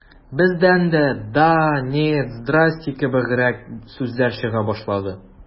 Бездән дә «да», «нет», «здрасте» кебегрәк сүзләр чыга башлады.